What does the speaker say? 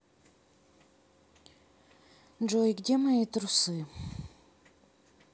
джой где мои трусы